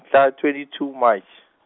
mhla twenty two March.